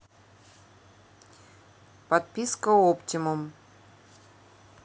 подписка оптимум